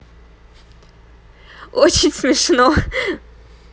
очень смешно